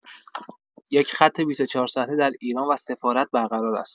یک خط ۲۴ ساعته در ایران و سفارت بر قرار است.